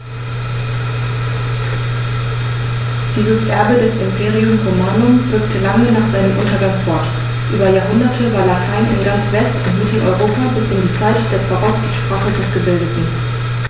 Dieses Erbe des Imperium Romanum wirkte lange nach seinem Untergang fort: Über Jahrhunderte war Latein in ganz West- und Mitteleuropa bis in die Zeit des Barock die Sprache der Gebildeten.